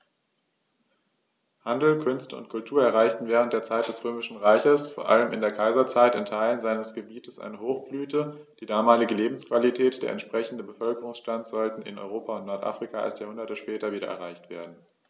Handel, Künste und Kultur erreichten während der Zeit des Römischen Reiches, vor allem in der Kaiserzeit, in Teilen seines Gebietes eine Hochblüte, die damalige Lebensqualität und der entsprechende Bevölkerungsstand sollten in Europa und Nordafrika erst Jahrhunderte später wieder erreicht werden.